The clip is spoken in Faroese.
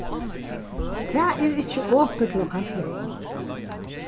tað er ikki opið klokkan tvey